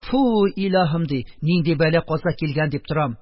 Фу, илаһым, - ди, - нинди бәла-каза килгән, дип торам...